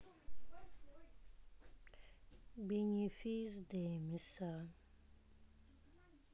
бенефис демиса